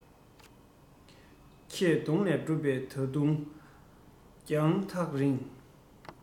ཁྱེད གདོང ལས གྲུབ པའི ད དུང རྒྱང ཐག རིང